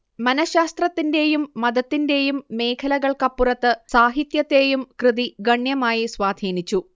മനഃശാസ്ത്രത്തിന്റേയും മതത്തിന്റേയും മേഖലകൾക്കപ്പുറത്ത് സാഹിത്യത്തേയും കൃതി ഗണ്യമായി സ്വാധീനിച്ചു